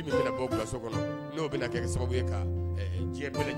minnu bɛna bɔ gaso kɔnɔ n' o bɛna kɛ sababu ye ka ɛ ɛ diɲɛ bɛɛ la